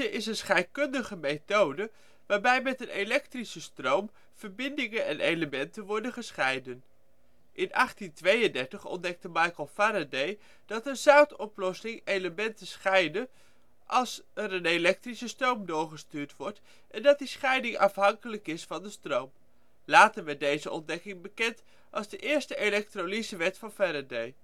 is een scheikundige methode waarbij met een elektrische stroom verbindingen en elementen worden gescheiden. In 1832 ontdekte Michael Faraday dat in een zoutoplossing elementen scheiden als er een elektrische stroom doorgestuurd wordt en dat die scheiding afhankelijk is van de stroom. Later werd deze ontdekking bekend als de eerste elektrolysewet van Faraday